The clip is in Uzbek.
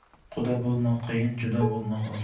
quda bo'lmoq qiyin judo bo'lmoq oson